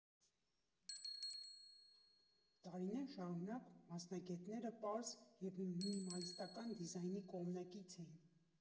Տարիներ շարունակ մասնագետները պարզ և մինիմալիստական դիզայնի կողմնակից էին։